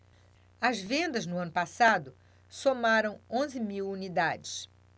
as vendas no ano passado somaram onze mil unidades